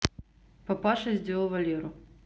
папаша сделал валеру